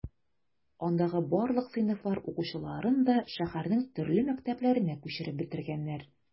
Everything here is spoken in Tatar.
Андагы барлык сыйныфлар укучыларын да шәһәрнең төрле мәктәпләренә күчереп бетергәннәр.